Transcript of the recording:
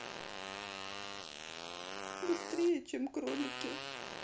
быстрее чем кролики